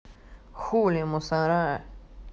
хули мусора